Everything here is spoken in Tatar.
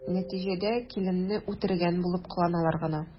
Нәтиҗәдә киленне үтергән булып кыланалар гына.